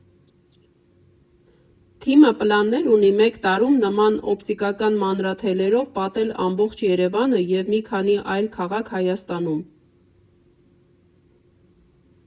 «Թիմը» պլաններ ունի մեկ տարում նման օպտիկական մանրաթելերով պատել ամբողջ Երևանը և մի քանի այլ քաղաք Հայաստանում։